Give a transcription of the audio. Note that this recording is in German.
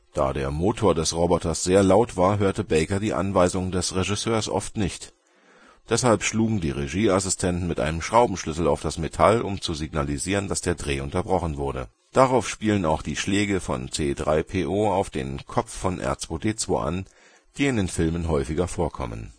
Da der Motor des Roboters sehr laut war, hörte Baker die Anweisungen des Regisseurs oft nicht. Deshalb schlugen die Regieassistenten mit einem Schraubenschlüssel auf das Metall, um zu signalisieren, dass der Dreh unterbrochen wurde. Darauf spielen auch die Schläge von C3-PO auf den „ Kopf “von R2-D2, die in den Filmen häufiger vorkommen